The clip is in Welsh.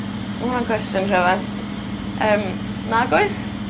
Ma' hwnna'n cwestiwn rhyfedd yym nag oes.